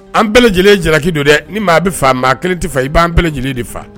An bɛɛ lajɛlen jalaki don dɛ. Ni maa bi faa maa kelen ti faa. I b'an bɛɛ lajɛlen de faa